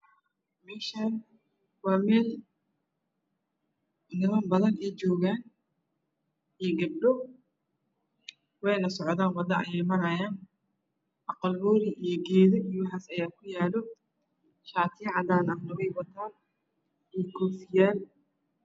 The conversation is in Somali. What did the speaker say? Meeshaan waa meel niman badan ay joogaan iyo gabdho ayaa socdo wadada. Geedo ayaa kuyaal. Shaatiyo cadaan ah iyo koofiyaal ayay wataan.